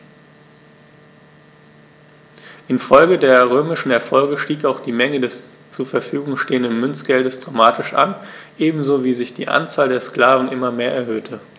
Infolge der römischen Erfolge stieg auch die Menge des zur Verfügung stehenden Münzgeldes dramatisch an, ebenso wie sich die Anzahl der Sklaven immer mehr erhöhte.